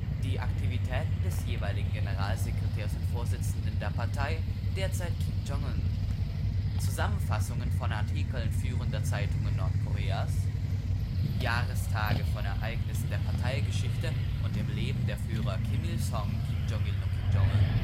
die Aktivitäten des jeweiligen Generalsekretärs und Vorsitzenden der Partei, derzeit Kim Jong-un Zusammenfassung von Artikeln führender Zeitungen Nordkoreas Jahrestage von Ereignissen der Parteigeschichte und im Leben deren Führer Kim Il-sung, Kim Jong-il und Kim Jong-un